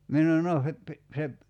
minä sanoin no -- se